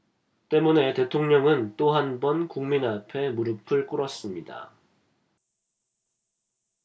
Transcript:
때문에 대통령은 또 한 번 국민 앞에 무릎을 꿇었습니다